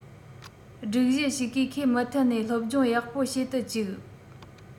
སྒྲིག གཞི ཞིག གིས ཁོས མུ མཐུད ནས སློབ སྦྱོང ཡག པོ བྱེད དུ བཅུག